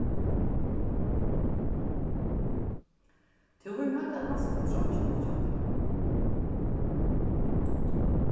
tú verður noydd at vaska troyggjuna hjá tær